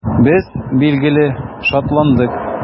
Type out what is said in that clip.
Без, билгеле, шатландык.